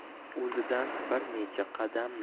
o'zidan bir necha qadam